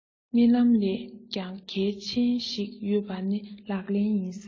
རྨི ལམ ལས ཀྱང གལ ཆེན ཞིག ཡོད པ ནི ལག ལེན ཡིན ཟེར